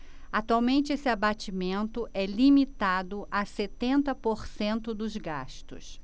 atualmente esse abatimento é limitado a setenta por cento dos gastos